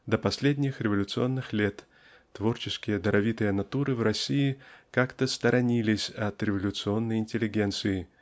До последних революционных лет творческие даровитые натуры в России как-то сторонились от революционной интеллигенции